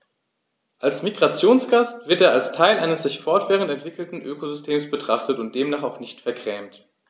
Als Migrationsgast wird er als Teil eines sich fortwährend entwickelnden Ökosystems betrachtet und demnach auch nicht vergrämt.